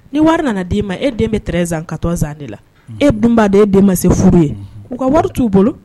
Ni wari nana d'i ma e den bɛ 13 ans 14 ans de la e b'a dɔn e den ma se furu ye, u ka wari t'u bolo